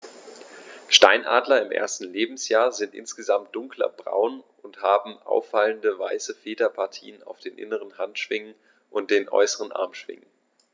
Steinadler im ersten Lebensjahr sind insgesamt dunkler braun und haben auffallende, weiße Federpartien auf den inneren Handschwingen und den äußeren Armschwingen.